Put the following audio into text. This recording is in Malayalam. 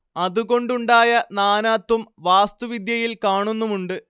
അതുകൊണ്ടുണ്ടായ നാനാത്വം വാസ്തുവിദ്യയിൽ കാണുന്നുമുണ്ട്